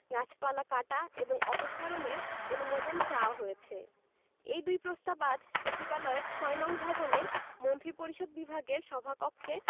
গাছপালা কাটা এবং অপসারণের অনুমোদন চাওয়া হয়েছে এ দুই প্রস্তাব আজ সচিবালয়ের ৬ নং ভবনের মন্ত্রিপরিষদ বিভাগের সভাকক্ষে